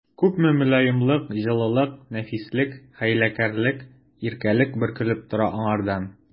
Күпме мөлаемлык, җылылык, нәфислек, хәйләкәрлек, иркәлек бөркелеп тора аңардан!